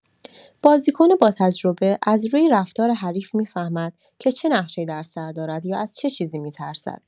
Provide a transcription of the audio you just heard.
بازیکن باتجربه از روی رفتار حریف می‌فهمد که چه نقشه‌ای در سر دارد یا از چه چیزی می‌ترسد.